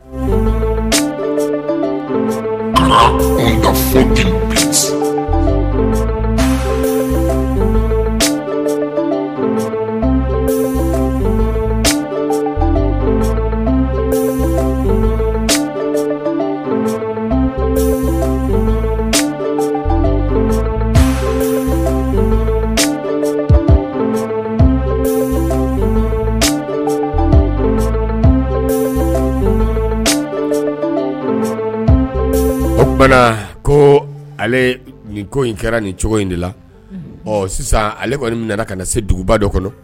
O ko ale nin ko in kɛra ni cogo in de la sisan ale kɔni bɛna nana ka na se duguba dɔ kɔnɔ